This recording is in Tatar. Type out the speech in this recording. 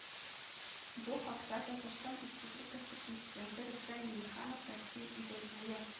Бу хакта Татарстан Республикасы Президенты Рөстәм Миңнеханов Россия Идел буе